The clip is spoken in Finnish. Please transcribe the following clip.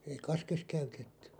ei kaskessa käytetty